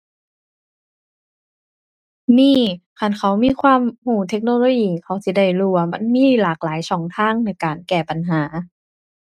มี คันเขามีความรู้เทคโนโลยี เขาสิได้รู้ว่ามันมีหลากหลายช่องทางในการแก้ปัญหา